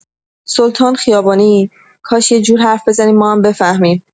سلطان خیابانی کاش یه جور حرف بزنی ما هم بفهمیم!